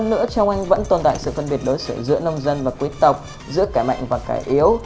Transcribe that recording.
hơn nữa trong anh vẫn tồn tại sự phân biệt đối xử giữa nông dân và quý tộc giữa kẻ mạnh và kẻ yếu